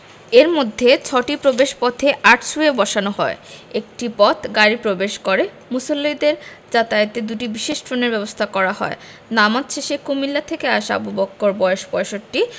এর মধ্যে ছয়টি প্রবেশপথে আর্চওয়ে বসানো হয় একটি পথ গাড়ি প্রবেশ করে মুসল্লিদের যাতায়াতে দুটি বিশেষ ট্রেনের ব্যবস্থা করা হয় নামাজ শেষে কুমিল্লা থেকে আসা আবু বক্কর বয়স ৬৫